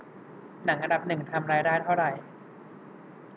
หนังอันดับหนึ่งทำรายได้เท่าไหร่